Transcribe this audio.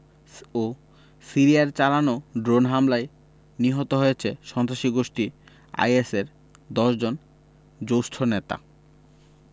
ও সিরিয়ায় চালানো ড্রোন হামলায় নিহত হয়েছেন সন্ত্রাসী গোষ্ঠী আইএসের ১০ জন জ্যষ্ঠ নেতা